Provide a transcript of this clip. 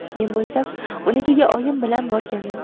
men bo'lsam unikiga oyim bilan borganim